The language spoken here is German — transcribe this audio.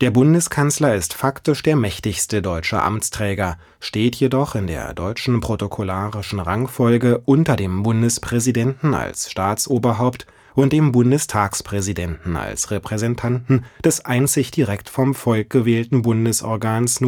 Bundeskanzler ist faktisch der mächtigste deutsche Amtsträger, steht jedoch in der deutschen protokollarischen Rangfolge unter dem Bundespräsidenten als Staatsoberhaupt und dem Bundestagspräsidenten als Repräsentanten des einzig direkt vom Volk gewählten Bundesorgans